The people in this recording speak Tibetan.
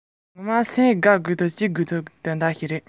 བསྡད ཁོམ ག ལ ཡོད